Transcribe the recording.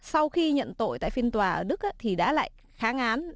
sau khi nhận tội tại phiên tòa ở đức á thì đã lại kháng án